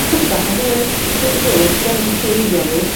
Ychydig bach o hwyl dweud y gwir 'di o'm yn ffieiddio fi.